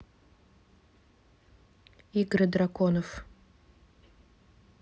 игры драконов